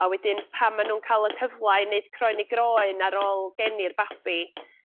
a wedyn pan ma' nw'n ca'l y cyfla i neud croen i groen ar ôl geni'r babi